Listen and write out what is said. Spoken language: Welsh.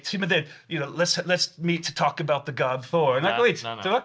Ti'm yn dweud; "you know let's... let's meet to talk about the god, Thor." Nagwyt?... Na, na.